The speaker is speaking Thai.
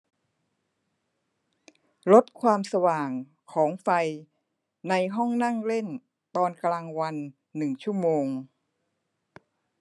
ลดความสว่างของไฟในห้องนั่งเล่นตอนกลางวันหนึ่งชั่วโมง